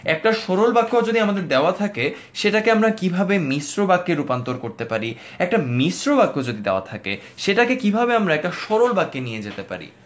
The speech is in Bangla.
একটা সরল বাক্য যদি আমাদের দেওয়া থাকে সেটা কি আমরা কিভাবে মিশ্র বাক্যে রূপান্তর করতে পারি একটা মিশ্র বাক্য যদি দেওয়া থাকে সেটাকে কিভাবে আমরা একটা সরল বাক্যে নিয়ে যেতে পারি